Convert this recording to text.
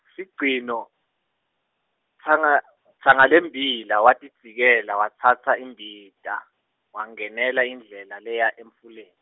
sigcino, Tsanga- Tsangalembiba watidzikela watsatsa imbita, wangenela indlela leya emfuleni.